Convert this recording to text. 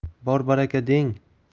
bor baraka deng